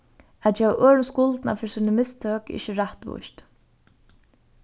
at geva øðrum skuldina fyri síni mistøk er ikki rættvíst